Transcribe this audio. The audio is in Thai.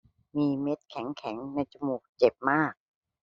มีเม็ดแข็งแข็งในจมูกเจ็บมาก